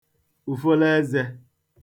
ùfoloezē